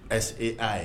Ayi' ye